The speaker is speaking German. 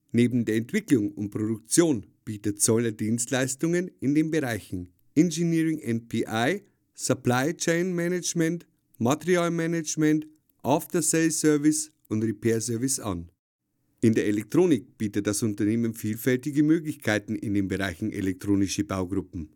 Neben der Entwicklung und Produktion bietet Zollner Dienstleistungen in den Bereichen Engineering/NPI, Supply Chain Management, Materialmanagement, After Sales Service und Repair Service an. In der Elektronik bietet das Unternehmen vielfältige Möglichkeiten in den Bereichen elektronische Baugruppen